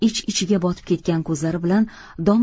ich ichiga botib ketgan ko'zlari bilan dom